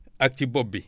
ak ci bopp bi